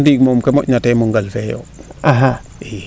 ax ndiing moom ke moƴna te moom mungal fee yo